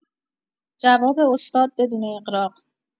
جواب استاد بدون اغراق